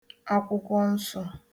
akwụkwọnsọ̄